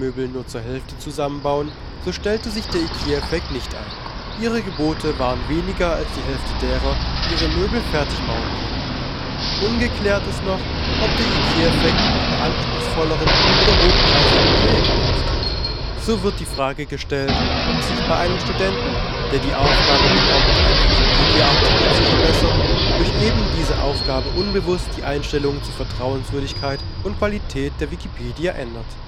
IKEA-Möbel nur zur Hälfte zusammenbauen, so stellte sich der IKEA-Effekt nicht ein: Ihre Gebote waren weniger als die Hälfte derer, die ihre Möbel fertig bauen konnten. Ungeklärt ist noch, ob der IKEA-Effekt auch bei anspruchsvolleren oder hochpreisigen Projekten auftritt. So wird die Frage gestellt, ob sich bei einem Studenten, der die Aufgabe bekommt, einen Wikipedia-Artikel zu verbessern, durch ebendiese Aufgabe unbewusst die Einstellung zur Vertrauenswürdigkeit und Qualität der Wikipedia ändert